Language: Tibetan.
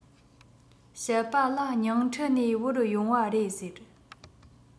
བཤད པ ལ ཉིང ཁྲི ནས དབོར ཡོང བ རེད ཟེར